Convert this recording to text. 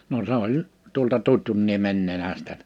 no se oli tuolta Tutjunniemen nenästä